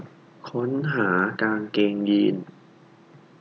ค้นหากางเกงยีน